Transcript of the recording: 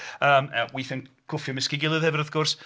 Yym weithiau'n cwffio ymysg ei gilydd wrth gwrs.